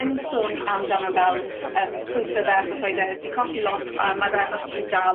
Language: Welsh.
yn sôn amdano fel yym pwyse fe, achos roedd e 'di colli lot, a ma' fe actually dal